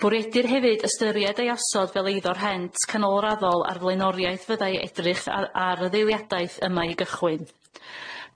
Bwriedir hefyd ystyried ei osod fel eiddo rhent canolraddol a'r flaenoriaeth fyddai edrych ar ar y ddeiliadaeth yma i gychwyn.